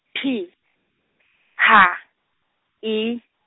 P, H, I.